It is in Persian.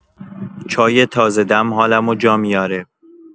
چای تازه‌دم حالمو جا میاره.